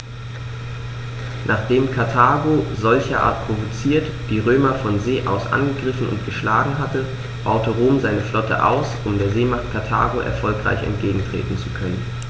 Nachdem Karthago, solcherart provoziert, die Römer von See aus angegriffen und geschlagen hatte, baute Rom seine Flotte aus, um der Seemacht Karthago erfolgreich entgegentreten zu können.